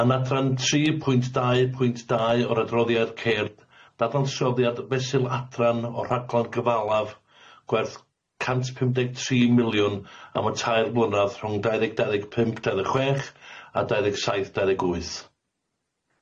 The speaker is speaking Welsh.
Yn adran tri pwynt dau pwynt dau o'r adroddiad ceir dadansioddiad fesul adran o rhaglan gyfalaf gwerth cant pum deg tri miliwn am y tair blynadd rhwng dau ddeg dau ddeg pump dau ddeg chwech a dau ddeg saith dau ddeg wyth.